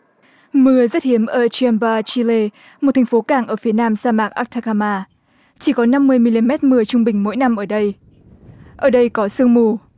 mưa rất hiếm ở chem ba chi lê một thành phố cảng ở phía nam sa mạc át ta ca ma chỉ có năm mươi mi li mét mưa trung bình mỗi năm ở đây ở đây có sương mù